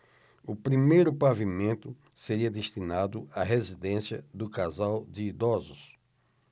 o primeiro pavimento seria destinado à residência do casal de idosos